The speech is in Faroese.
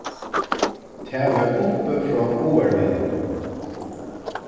tað var uppi frá áarvegnum